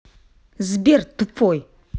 сбер тупой